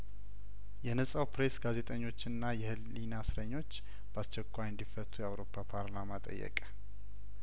የነጻው ፕሬስ ጋዜጠኞችና የህሊና እስረኞች በአስቸኳይ እንዲፈቱ የአውሮፓ ፓርላማ ጠየቀ